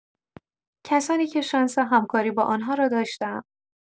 کسانی که شانس همکاری با آن‌ها را داشته‌ام